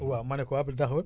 waaw mane ko waa taxawal